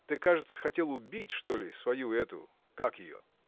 ты, кажется, хотел убить, что ли, свою, эту. как ее?